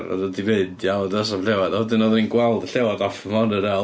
Maen nhw 'di mynd iawn. Does 'na'm llewod. A wedyn oedden i'n gweld y llewod off y monorail.